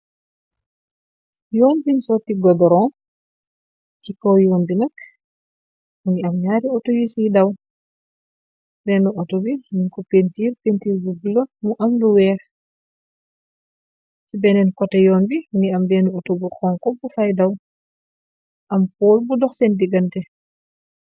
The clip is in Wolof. Yoon bon soti godoron ci kow yoon bi nak muge am nyari auto yisi daw bennu auto bi nugku pintiir pintiir bu bulo mu am lu weex ci beneen kote yoon bi muge am bennu auto bu xonxo bu fay daw am pol bu dox sen digante.